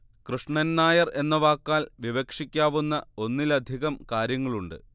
കൃഷ്ണൻ നായർ എന്ന വാക്കാൽ വിവക്ഷിക്കാവുന്ന ഒന്നിലധികം കാര്യങ്ങളുണ്ട്